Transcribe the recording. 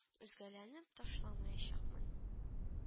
Өзгәләнеп ташлаячакмын